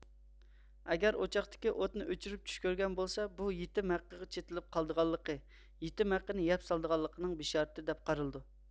ئەگەر ئوچاقتىكى ئوتنى ئۆچۈرۈپ چۈش كۆرگەن بولسا بۇ يېتىم ھەققىگە چېتىلىپ قالىدىغانلىقى يېتم ھەققىنى يەپ سالىدىغانلىقىنىڭ بىشارىتى دەپ قارىلىدۇ